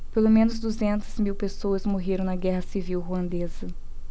pelo menos duzentas mil pessoas morreram na guerra civil ruandesa